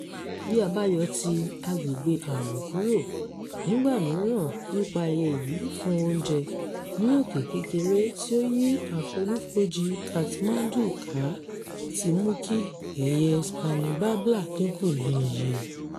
Bí a bá yọ ti agbègbè ààbò kúrò, nígbà mìíràn pípa ẹyẹ yìí fún oúnjẹ, ní òkè kékeré tí ó yí àfonífojì Kathmandu ká ti mú kí ẹyẹ Spiny Babbler dínkù ni iye.